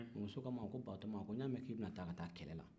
mamuso k'a ma batoma n ɲ'a mɛn k'i bɛna taa kɛlɛ la